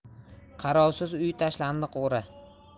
qarovsiz uy tashlandiq o'ra